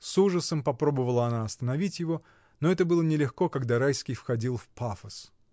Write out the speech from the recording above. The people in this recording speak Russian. — с ужасом попробовала она остановить его, но это было нелегко, когда Райский входил в пафос.